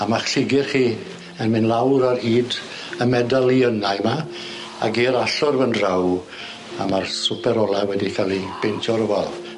A ma'ch lligyd chi yn myn' lawr ar hyd y medaliynau 'ma ag i'r allor fyn draw a ma'r swper ola wedi ca'l 'i beintio ar y wal.